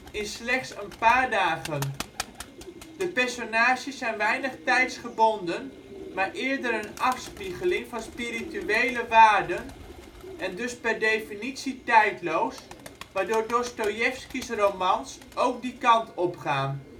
in slechts een paar dagen. De personages zijn weinig tijdsgebonden maar eerder een afspiegeling van spirituele waarden en dus per definitie tijdloos, waardoor Dostojevski 's romans ook die kant opgaan